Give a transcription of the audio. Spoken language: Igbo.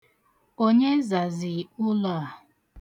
Onye zazi ụlọ a?